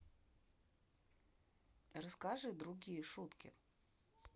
расскажи другие шутки